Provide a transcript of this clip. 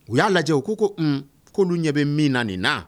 U y'a lajɛ u ko ko un k'olu ɲɛ bɛ min na nin na